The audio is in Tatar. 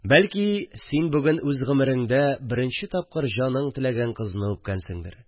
Бәлки син бүген үз гомерендә беренче тапкыр җаның теләгән кызны үпкәнсеңдер